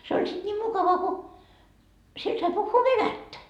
se oli sitten niin mukava kun siellä sai puhua venäjää